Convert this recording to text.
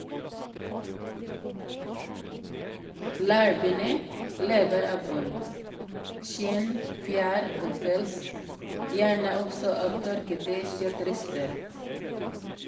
Larvene lever av ull, skinn, fjær og pels, gjerne også av tørkete kjøttrester.